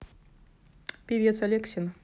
певец алексин